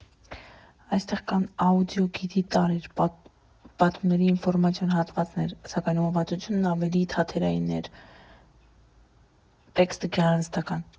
Այստեղ կան աուդիո֊գիդի տարրեր, պատումների ինֆորմացիոն հատվածներ, սակայն ուղղվածությունն ավելի թատերային է, տեքստը՝ գեղարվեստական։